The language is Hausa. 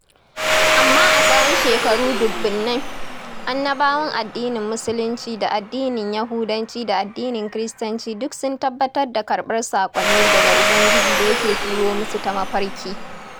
Amma a tsahon shekaru dubunnai, annabawan addinin Musulunci da addinin Yahudanci da addinin Kiristanci duk sun tabbatar da karɓar saƙonni daga Ubangiji da yake turo musu ta mafarki.